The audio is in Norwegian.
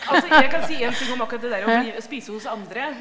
altså jeg kan si én ting om akkurat det der å bli spise hos andre.